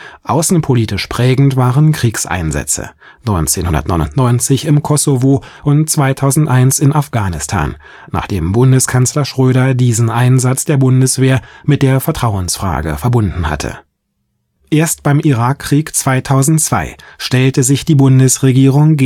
Außenpolitisch prägend waren Kriegseinsätze, 1999 im Kosovo und 2001 in Afghanistan, nachdem Bundeskanzler Schröder diesen Einsatz der Bundeswehr mit der Vertrauensfrage verbunden hatte. Erst beim Irak-Krieg 2002 stellte sich die Bundesregierung